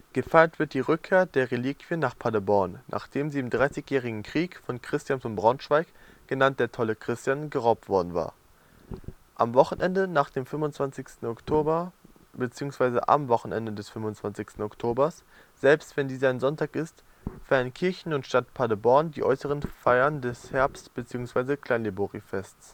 Gefeiert wird die Rückkehr der Reliquien nach Paderborn, nachdem sie im Dreißigjährigen Krieg von Christian von Braunschweig, genannt der „ tolle Christian “, geraubt worden waren. Am Wochenende nach dem 25. Oktober bzw. am Wochenende des 25. Oktobers selbst, wenn dieser ein Sonntag ist, feiern Kirche und Stadt Paderborn die äußeren Feiern des Herbst - bzw. Kleinliborifestes